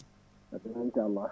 ha soubaka inchallah